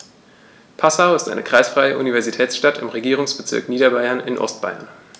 Passau ist eine kreisfreie Universitätsstadt im Regierungsbezirk Niederbayern in Ostbayern.